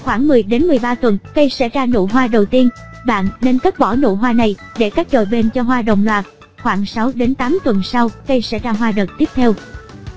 sau khoảng tuần cây sẽ ra nụ hoa đầu tiên bạn nên cắt bỏ nụ hoa này để các chồi bên cho hoa đồng loạt khoảng tuần sau cây sẽ ra hoa đợt tiếp theo